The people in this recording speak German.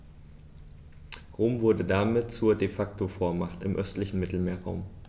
Rom wurde damit zur ‚De-Facto-Vormacht‘ im östlichen Mittelmeerraum.